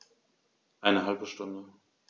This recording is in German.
Eine halbe Stunde